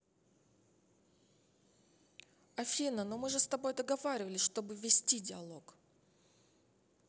афина ну мы же с тобой договорились чтобы вести диалог